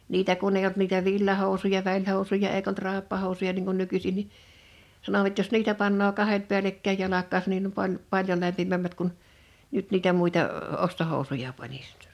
niitä kun ei ollut niitä villahousuja välihousuja eikä ollut raippahousuja niin kuin nykyisin niin sanovat jos niitä panee kahdet päällekkäin jalkaansa niin - paljon lämpimämmät kuin nyt niitä muita ostohousuja panisi